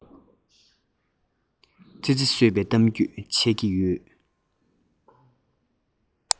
ཙི ཙི གསོད པའི གཏམ རྒྱུད འཆད ཀྱི ཡོད